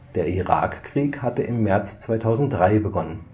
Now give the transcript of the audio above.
der Irakkrieg hatte im März 2003 begonnen